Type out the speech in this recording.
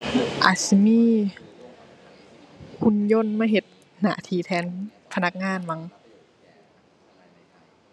อาจสิมีหุ่นยนต์มาเฮ็ดหน้าที่แทนพนักงานมั้ง